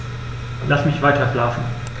Lass mich weiterschlafen.